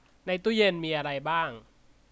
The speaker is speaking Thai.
ในตู้เย็นมีอะไรบ้าง